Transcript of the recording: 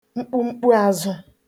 mkpumkpuàzụ